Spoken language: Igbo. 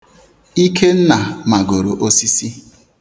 Ikenna magoro osisi